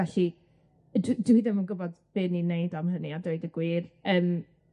Felly yy dwi dwi ddim yn gwbod be' ni'n neud am hynny a dweud y gwir. Yym.